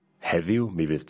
Heddiw mi fydd...